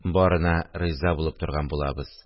Барына риза булып торган булабыз.